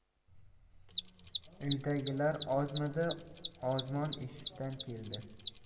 uydagilar ozmidi ozmon eshikdan keldi